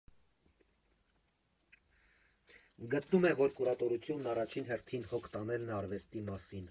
Գտնում է, որ կուրատորությունն առաջին հերթին հոգ տանելն է արվեստի մասին.